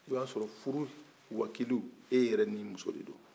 i ba sɔrɔ furu wakilu e yɛrɛ ni muso de don